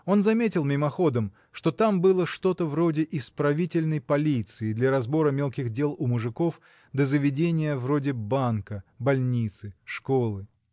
Он заметил мимоходом, что там было что-то вроде исправительной полиции для разбора мелких дел у мужиков да заведения вроде банка, больницы, школы.